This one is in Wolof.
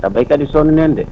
ndax béykat yi sonn nañ de